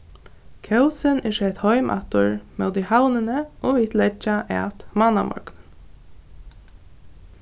kósin er sett heim aftur móti havnini og vit leggja at mánamorgunin